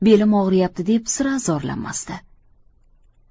belim og'riyapti deb sira zorlanmasdi